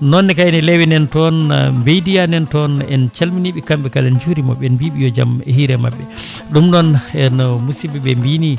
nonne kayne Leewe nan toon Beydiya nan toon en calminiɓe kamɓe kala en juruimaɓe en mbiɓe yo jaam hiire mabɓe ɗum noon hen musibɓe ɓe mbi